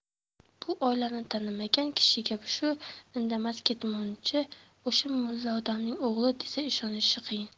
bu oilani tanimagan kishiga shu indamas ketmonchi o'sha mulla odamning o'g'li desa ishonishi qiyin